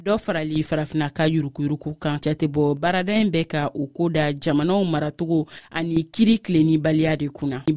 dɔw farali farafinna ka yuruguyurugu kan jatebɔ baarada in bɛ ka o ko da jamanaw maracogo ani kiiriw tigɛbaliya de kun na